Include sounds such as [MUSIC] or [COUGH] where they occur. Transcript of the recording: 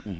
[HESITATION] [HESITATION]